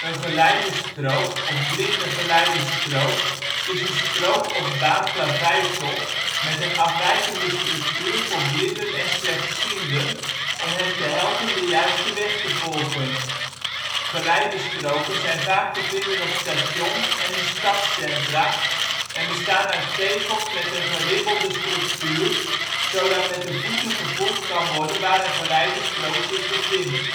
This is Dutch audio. geleidestrook of blindengeleidestrook is een strook of baan plaveisel met een afwijkende structuur voor blinden en slechtzienden om hen te helpen de juiste weg te volgen. Geleidestroken zijn vaak te vinden op stations en in stadscentra en bestaan uit tegels met een geribbelde structuur zodat met de voeten gevoeld kan worden waar een geleidestrook zich bevindt